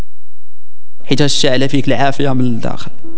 جعل فيه العافيه من الداخل